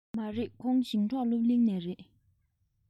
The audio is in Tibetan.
མ རེད ཁོང ཞིང འབྲོག སློབ གླིང ནས རེད